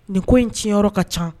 Nin ko in tiɲɛyɔrɔ ka ca